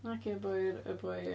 Naci y boi y boi...